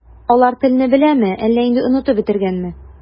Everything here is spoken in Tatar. Алар телне беләме, әллә инде онытып бетергәнме?